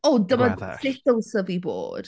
O, dyma be dylse fi bod.